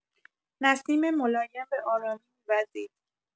نسیم ملایم به‌آرامی می‌وزید.